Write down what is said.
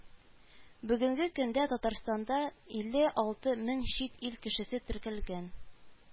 Бүгенге көндә Татарстанда илле алты мең чит ил кешесе теркәлгән